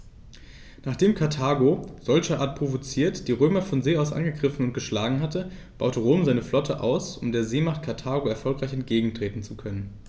Nachdem Karthago, solcherart provoziert, die Römer von See aus angegriffen und geschlagen hatte, baute Rom seine Flotte aus, um der Seemacht Karthago erfolgreich entgegentreten zu können.